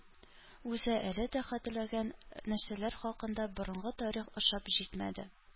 Үзе әле дә хәтерләгән нәрсәләр хакында борынгы тарих ошап җитмәде